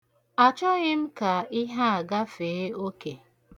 Achọghị m ka ihe a gafee oke.